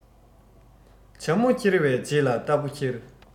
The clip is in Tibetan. བྱ མོ ཁྱེར བའི རྗེས ལ རྟ ཕོ འཁྱེར